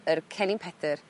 yr cennin Pedyr